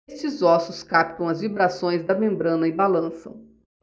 estes ossos captam as vibrações da membrana e balançam